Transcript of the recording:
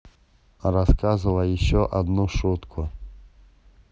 рассказывай еще одну шутку